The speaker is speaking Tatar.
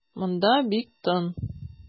Монда бик тын.